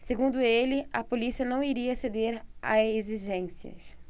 segundo ele a polícia não iria ceder a exigências